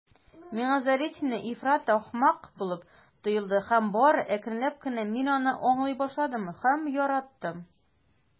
Миңа Заречная ифрат ахмак булып тоелды һәм бары әкренләп кенә мин аны аңлый башладым һәм яраттым.